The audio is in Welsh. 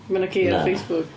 Mae 'na ci ar... Na. ...Facebook